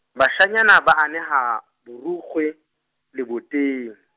bashanyana ba aneha, boroku leboteng.